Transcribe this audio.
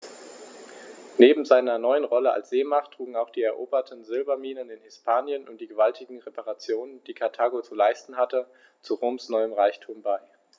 Neben seiner neuen Rolle als Seemacht trugen auch die eroberten Silberminen in Hispanien und die gewaltigen Reparationen, die Karthago zu leisten hatte, zu Roms neuem Reichtum bei.